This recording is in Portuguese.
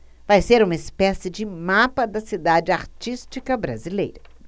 vai ser uma espécie de mapa da cidade artística brasileira